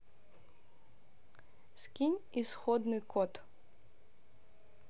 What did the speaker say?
скинь исходный код